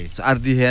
so ardii heen